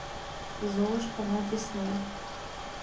золушка на дисней